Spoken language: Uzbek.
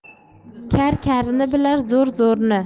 kar karni bilar zo'r zo'rni